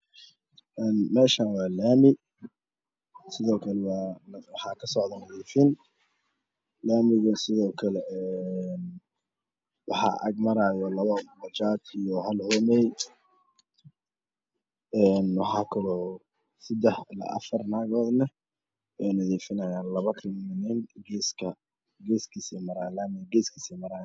Een Meeshaan waa laami sidoo kale waa waxaa ka socda nadiifin laamiga sidoo kale een waxaa agmaraayo 2 bajaaj iyo hal hoomey een waxaa kaloo 3 ilaa 4 naagoodna ay nadiifinayaan 2 kalane meel geeska geeska ayey marayaan laamiga geeskiisa ayey marayaan